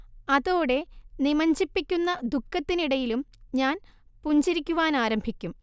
അതോടെ നിമജ്ജിപ്പിക്കുന്ന ദുഃഖത്തിനിടയിലും ഞാൻ പുഞ്ചിരിക്കുവാനാരംഭിക്കും